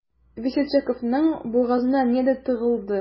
Весельчаковның бугазына нидер тыгылды.